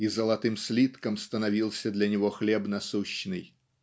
и золотым слитком становился для него хлеб насущный.